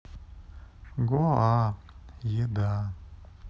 гоа еда